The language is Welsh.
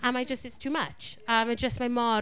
A mae jyst, it’s too much. A mae jyst, mae mor...